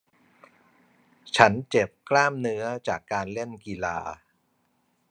ฉันเจ็บกล้ามเนื้อจากการเล่นกีฬา